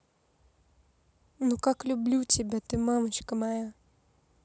ну как люблю тебя ты мамочка моя